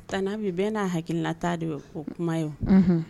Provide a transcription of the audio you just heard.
T'bi bɛɛ n'a hakililata de o kuma ye